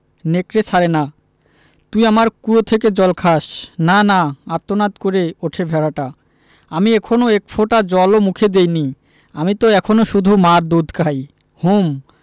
নেকড়ে ছাড়ে না তুই আমার কুয়ো থেকে জল খাস না না আর্তনাদ করে ওঠে ভেড়াটা আমি এখনো এক ফোঁটা জল ও মুখে দিইনি আমি ত এখনো শুধু মার দুধ খাই হুম